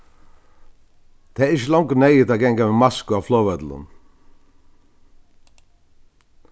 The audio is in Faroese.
tað er ikki longur neyðugt at ganga við masku á flogvøllinum